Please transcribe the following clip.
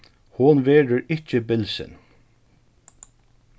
hon verður ikki bilsin